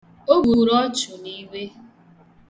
O gburu ọchụ n'iwe.